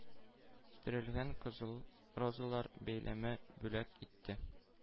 Төрелгән кызыл розалар бәйләме бүләк итте.